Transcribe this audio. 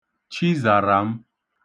Chizàràm